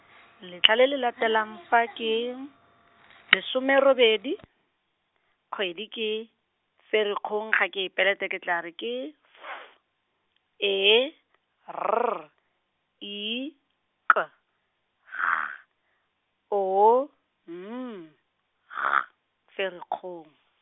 letlha le le latelang fa ke, lesome robedi, kgwedi ke, Ferikgong ga ke e peleta ke tla re ke, F E R I K G O N G, Ferikgong.